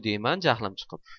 deyman jahlim chiqib